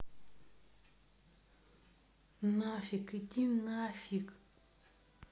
нафиг иди нафиг